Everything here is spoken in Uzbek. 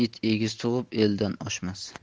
it egiz tug'ib eldan oshmas